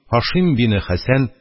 Һашим бине Хәсән,